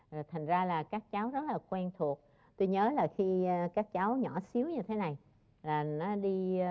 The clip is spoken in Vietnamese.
thành ra là các cháu rất là quen thuộc tôi nhớ là khi các cháu nhỏ xíu như thế này à nó đi